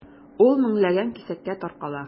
Ул меңләгән кисәккә таркала.